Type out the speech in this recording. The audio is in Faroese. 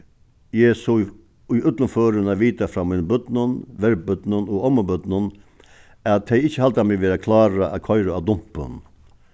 eg so í øllum førum at vita frá mínum børnum verbørnum og ommubørnum at tey ikki halda meg vera klára at koyra á dumpin